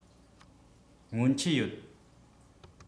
སྔོན ཆད ཡོད